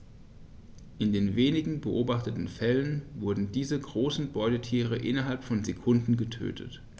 In den wenigen beobachteten Fällen wurden diese großen Beutetiere innerhalb von Sekunden getötet.